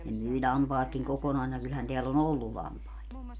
ne myi lampaatkin kokonaisina kyllähän täällä on ollut lampaita